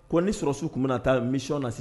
Ko ni sɔrɔ su tun bɛ na taa mission na